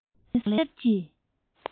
ལག ལེན གསེར གྱི